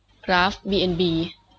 กราฟบีเอ็นบี